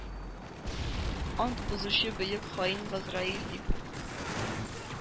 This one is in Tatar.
«ант бозучы бөек хаин газраил!» дип